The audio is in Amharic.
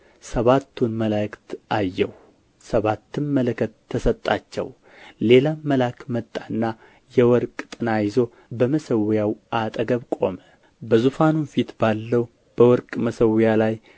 ሰባቱን መላእክት አየሁ ሰባትም መለከት ተሰጣቸው ሌላም መልአክ መጣና የወርቅ ጥና ይዞ በመሰዊያው አጠገብ ቆመ በዙፋኑም ፊት ባለው በወርቅ መሰዊያ ላይ